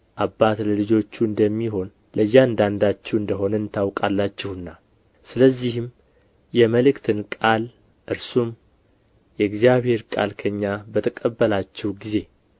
አባት ለልጆቹ እንደሚሆን ለእያንዳንዳችሁ እንደ ሆንን ታውቃላችሁና ስለዚህም የመልእክትን ቃል እርሱም የእግዚአብሔር ቃል ከእኛ በተቀበላችሁ ጊዜ